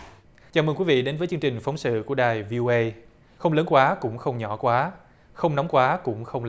chào mừng quý vị đến với chương trình phóng sự của đài vi ô ây không lớn quá cũng không nhỏ quá không nóng quá cũng không